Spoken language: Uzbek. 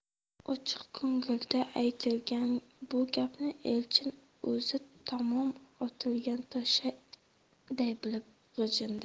ochiq ko'ngilda aytilgan bu gapni elchin o'zi tomon otilgan toshday bilib g'ijindi